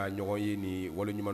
Ɲɔgɔn ye ni wolo ɲuman